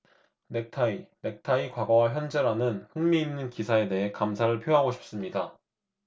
넥타이 넥타이 과거와 현재라는 흥미 있는 기사에 대해 감사를 표하고 싶습니다